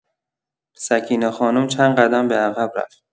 سکینه خانم چند قدم به‌عقب رفت.